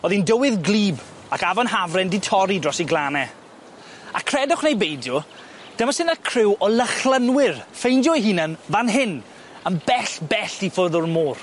O'dd 'i'n dywydd gwlyb ac afon Hafren 'di torri dros 'i glanne. A credwch neu beidio criw o Lychlynwyr ffeindio'u hunan fan hyn yn bell bell i ffwrdd o'r môr.